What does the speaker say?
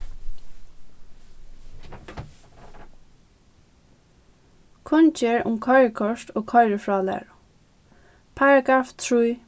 kunngerð um koyrikort og koyrifrálæru paragraf trý